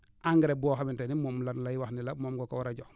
engrais boo xamante ne moom lañ lay wax ne la moom nga ko war a jox